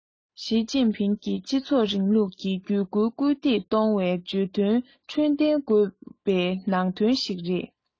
ཞིས ཅིན ཕིང གིས སྤྱི ཚོགས རིང ལུགས ཀྱི འགྱུར རྒྱུར སྐུལ འདེད གཏོང བའི བརྗོད དོན ཁྲོད ལྡན དགོས པའི ནང དོན ཞིག རེད